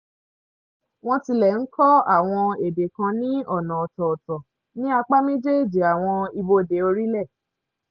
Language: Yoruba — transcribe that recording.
Wọ́n tilẹ̀ ń kọ àwọn èdè kan ní ọ̀nà ọ̀tọ̀ọ̀tọ̀ ní apá méjéèjì àwọn ibodè orílẹ̀.